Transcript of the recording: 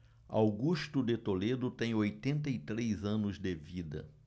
augusto de toledo tem oitenta e três anos de vida